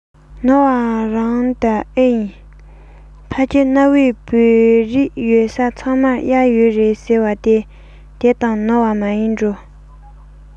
ནོར བ རང ད ཨེ ཡིན ཕལ ཆེར གནའ བོའི བོད རིགས ཡོད ས ཚང མར གཡག ཡོད རེད ཟེར བ དེ དང ནོར བ མིན འགྲོ